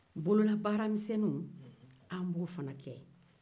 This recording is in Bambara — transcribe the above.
bololabaara misɛnninw an b'o fana kɛ